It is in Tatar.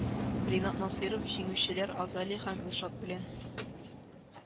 Ринат Насыйров җиңүчеләр Азалия һәм Илшат белән